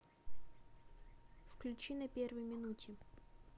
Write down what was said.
включи на первой минуте